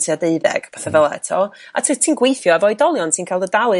tua deuddeg petha' fel t'od a ti'n gweithio efo oedolion sy'n cael i dalu